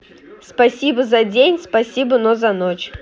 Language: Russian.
спасибо за день спасибо но за ночь